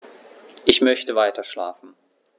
Ich möchte weiterschlafen.